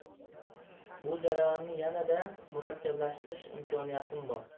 bu jarayonni yanada murakkablashtirish imkoniyatim bor